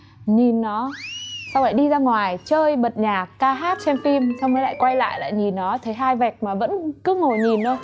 nhìn nó xong lại đi ra ngoài chơi bật nhạc ca hát xem phim xong đấy lại quay lại lại nhìn nó thấy hai vạch mà vẫn cứ ngồi nhìn thôi